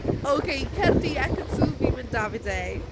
Ocei, cer di Ekin-Su, fi'n mynd Davide.